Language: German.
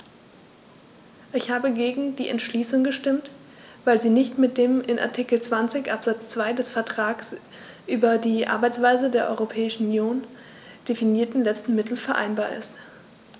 Ich habe gegen die Entschließung gestimmt, weil sie nicht mit dem in Artikel 20 Absatz 2 des Vertrags über die Arbeitsweise der Europäischen Union definierten letzten Mittel vereinbar ist.